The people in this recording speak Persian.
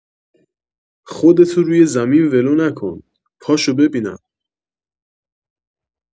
خودتو روی زمین ولو نکن پاشو ببینم